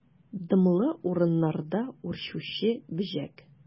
Дымлы урыннарда үрчүче бөҗәк.